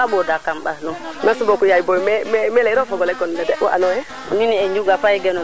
i nga a ye caq ne mosa a maaka lool xa yeng xa pod nun ando ye kaga xa tima xe mbiya a lang ba suto njiriñ